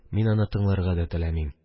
Мин аны тыңларга да теләмим